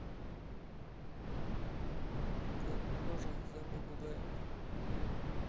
как ухаживать за попугаями